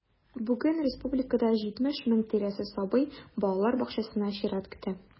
Бүген республикада 70 мең тирәсе сабый балалар бакчасына чират көтә.